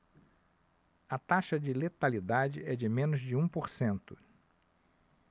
a taxa de letalidade é de menos de um por cento